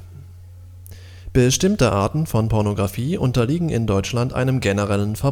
Bestimmte Arten von Pornografie unterliegen in Deutschland einem generellen